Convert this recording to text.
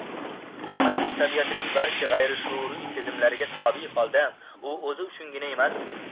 onalik tabiatining barcha g'ayrishuuriy sezimlariga tobe holda u o'zi uchungina emas